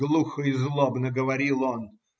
- глухо и злобно говорил он.